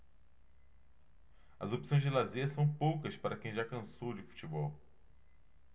as opções de lazer são poucas para quem já cansou de futebol